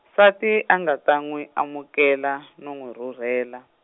nsati a nga ta n'wi amukela, no n'wi rhurhela.